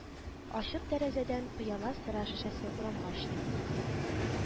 Ачык тәрәзәдән пыяла сыра шешәсе урамга очты